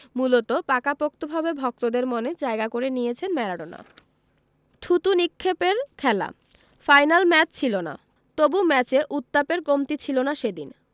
মূলত পাকাপোক্তভাবে ভক্তদের মনে জায়গা করে নিয়েছেন ম্যারাডোনা থুতু নিক্ষেপের খেলা ফাইনাল ম্যাচ ছিল না তবু ম্যাচে উত্তাপের কমতি ছিল না সেদিন